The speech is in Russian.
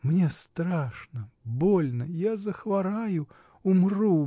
Мне страшно, больно, я захвораю, умру.